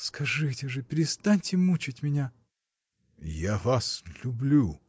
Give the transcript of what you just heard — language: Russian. — Скажите же, перестаньте мучить меня! — Я вас люблю.